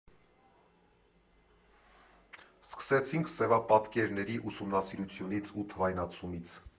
Սկսեցինք սևապատկերների ուսումնասիրությունից ու թվայնացումից։